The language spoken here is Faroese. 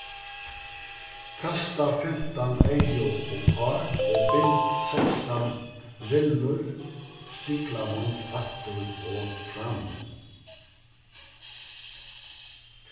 kasta fimtan eygu upp á og bint sekstan rillur stiklavond aftur og fram